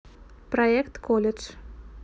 проект колледж